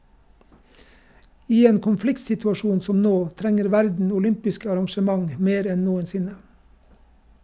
I en konfliktsituasjon som nå trenger verden olympiske arrangement mer enn noensinne.